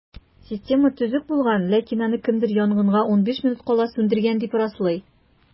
Система төзек булган, ләкин аны кемдер янгынга 15 минут кала сүндергән, дип раслый.